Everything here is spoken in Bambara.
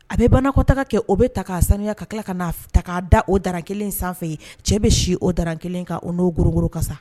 A bɛ banakɔtaga kɛ, o bɛ ta k'a sanuya ka tila ka na ta k'a da o drap kelen in sanfɛ ye, cɛ bɛ si o drap kelen kan o n'o ngoronngoro kasa.